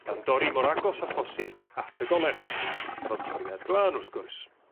Gan dorri mor agos a phosib at y goler efo toriad glan wrth gwrs.